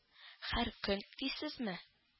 Һәр көн дисезме